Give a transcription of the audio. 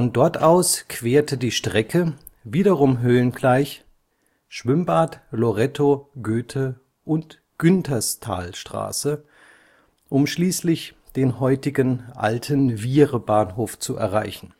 dort aus querte die Strecke, wiederum höhengleich, Schwimmbad -, Loretto -, Goethe - und Günterstalstraße, um schließlich den heutigen „ Alten Wiehrebahnhof “zu erreichen